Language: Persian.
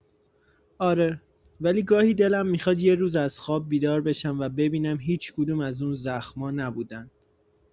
آره، ولی گاهی دلم می‌خواد یه روز از خواب بیدار بشم و ببینم هیچ‌کدوم از اون زخما نبودن.